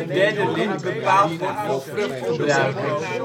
derde lid bepaald wordt voor vruchtgebruikers